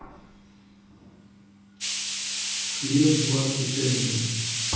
хлеб двадцать один